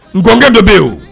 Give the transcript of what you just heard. N kɔnkɛ dɔ bɛ yen